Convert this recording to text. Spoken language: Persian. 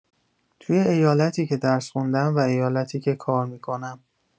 توی ایالتی که درس خوندم و ایالتی که کار می‌کنم